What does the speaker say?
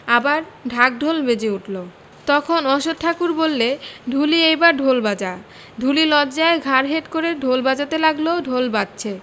আবার ঢাক ঢোল বেজে উঠল তখন অশ্বথ ঠাকুর বললে ঢুলি এইবার ঢোল বাজা ঢুলি লজ্জায় ঘাড় হেট করে ঢোল বাজাতে লাগল ঢোল বাজছে